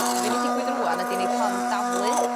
A be' neith digwydd rŵan ydi neith hon daflu